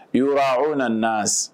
Ayiwa o na na